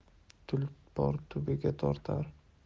tulpor tubiga tortar